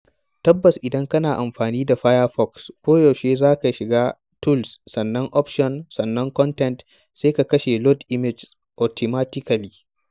(Tabbas idan kana amfani da Firefox koyaushe za ka shiga ;Tools' sannan 'Option' sannan 'Content' sai ka kashe ''Load images autimatically')